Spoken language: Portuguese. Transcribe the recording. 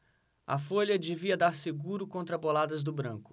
a folha devia dar seguro contra boladas do branco